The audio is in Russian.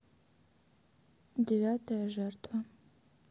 девятая жертва